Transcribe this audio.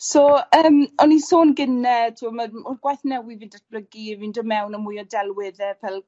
So yym o'n i'n sôn gyne t'wod ma' yym odd gwaith newydd fi'n dablygu fi'n do' mewn â mwy o delwedde ffel